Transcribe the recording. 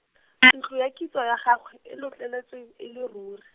ntlo ya kitso ya gagwe, e lotleletswe, e le rure.